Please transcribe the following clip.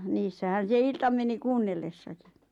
niissähän se ilta meni kuunnellessakin